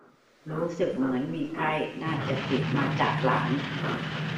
รู้สึกเหมือนมีไข้น่าจะติดมาจากหลาน